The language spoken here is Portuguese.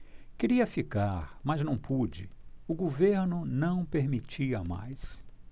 queria ficar mas não pude o governo não permitia mais